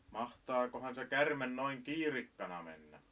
mahtaakohan se käärme noin kiirikkana mennä